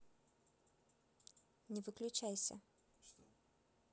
не выключайся